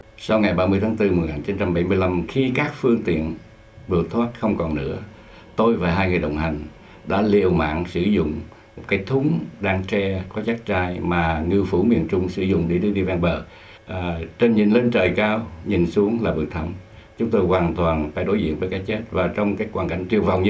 sau ngày ba mươi tháng tư một nghìn chín trăm bảy mươi lăm khi các phương tiện biểu thoát không còn nữa tôi và hai người đồng hành đã liều mạng sử dụng một cái thúng đan tre có giắt trai mà ngư phủ miền trung sử dụng để đưa đi ven bờ ở trên nhìn lên trời cao nhìn xuống là vực thẳm chúng tôi hoàn toàn phải đối diện với cái chết và trong các quang cảnh triển vọng như